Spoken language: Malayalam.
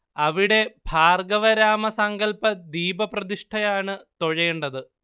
അവിടെ ഭാർഗ്ഗവരാമ സങ്കല്പ ദീപപ്രതിഷ്ഠയാണ് തൊഴേണ്ടത്